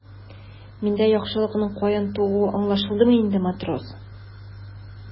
Миндә яхшылыкның каян тууы аңлашылдымы инде, матрос?